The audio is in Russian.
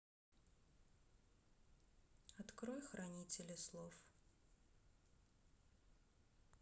открой хранители слов